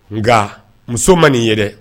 Ngaa muso ma nin ye dɛ